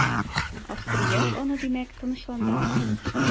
Австрияк аны димәк, тынычландыра.